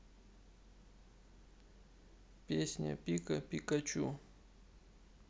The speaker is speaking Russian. песня пика пикачу